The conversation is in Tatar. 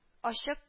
Ачык